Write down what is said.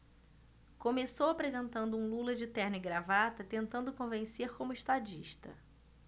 começou apresentando um lula de terno e gravata tentando convencer como estadista